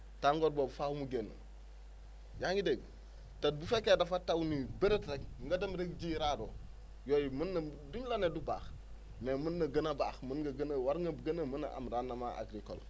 tàngoor boobu faaw mu génnyaa ngi dégg te bu fekkee dafa taw ni bérét rek nga dem rek ji raado yooyu mun na du ñu la ne du baax mais munna gën a baax mun na gën a war nga gën a mën a am rendement agricole